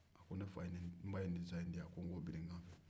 n ba ye nin disa in diyan ko n k'o biri n kunna